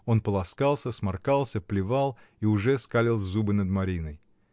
он полоскался, сморкался, плевал и уже скалил зубы над Мариной.